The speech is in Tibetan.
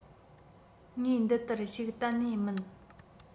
ངའི འདི ལྟར ཞིག གཏན ནས མིན